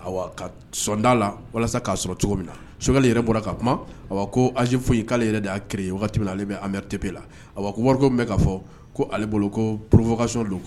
Ka son' la walasa k'a sɔrɔ cogo min na sokɛ yɛrɛ bɔra ka kuma a ko ayi foyi'ale yɛrɛ y'a min na ale bɛ la a wari bɛ fɔ koale bolo ko porokanso don